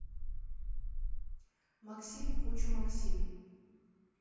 максим кучу максим